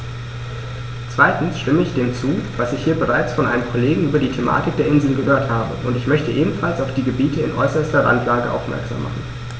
Zweitens stimme ich dem zu, was ich hier bereits von einem Kollegen über die Thematik der Inseln gehört habe, und ich möchte ebenfalls auf die Gebiete in äußerster Randlage aufmerksam machen.